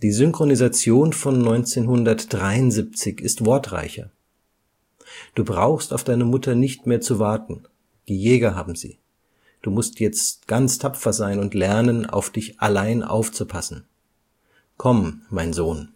Synchronisation von 1973 ist wortreicher: „ Du brauchst auf deine Mutter nicht mehr zu warten. Die Jäger haben sie. Du musst jetzt ganz tapfer sein und lernen, auf dich allein aufzupassen … Komm, mein Sohn